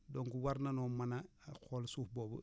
donc war na noo mën a xool suuf boobu